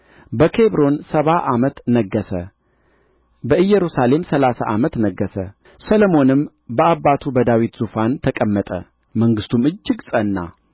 በኬብሮን ሰባት ዓመት ነገሠ በኢየሩሳሌምም ሠላሳ ሦስት ዓመት ነገሠ ሰሎሞንም በአባቱ በዳዊት ዙፋን ተቀመጠ መንግሥቱም እጅግ ጸና